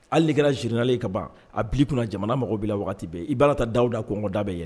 Hali ni kɛ la génial ye ka ban a bila i kunna jamana mago bila waati i b'a ta dada kɔngɔ da bɛ yɛlɛ